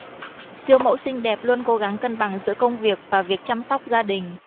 siêu mẫu xinh đẹp luôn cố gắng cân bằng giữa công việc và việc chăm sóc gia đình